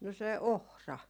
no se ohra